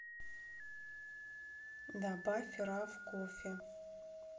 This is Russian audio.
добавь рав кофе